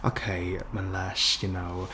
Oce, mae'n lysh, you know...